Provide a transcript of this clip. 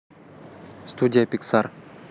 студия pixar